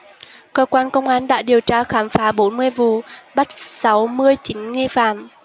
cơ quan công an đã điều tra khám phá bốn mươi vụ bắt sáu mươi chín nghi phạm